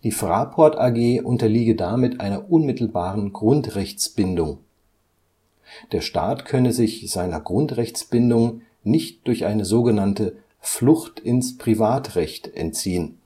Fraport AG unterliege damit einer unmittelbaren Grundrechtsbindung. Der Staat könne sich seiner Grundrechtsbindung nicht durch eine „ Flucht ins Privatrecht “entziehen